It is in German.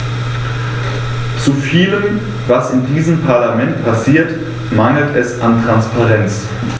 Zu vielem, was in diesem Parlament passiert, mangelt es an Transparenz.